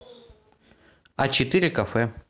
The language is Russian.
а четыре кафе